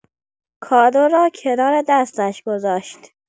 کادو را کنار دستش گذاشت.